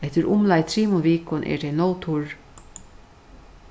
eftir umleið trimum vikum eru tey nóg turr